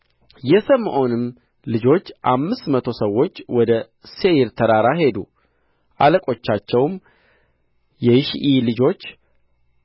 የስምዖንም ልጆች አምስት መቶ ሰዎች ወደ ሴይር ተራራ ሄዱ አለቆቻቸውም የይሽዒ ልጆች